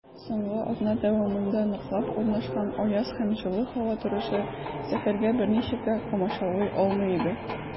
Соңгы атна дәвамында ныклап урнашкан аяз һәм җылы һава торышы сәфәргә берничек тә комачаулый алмый иде.